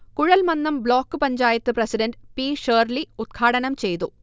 Kuzhalmandam block panchayat president P. Shirley ഉദ്ഘാടനംചെയ്തു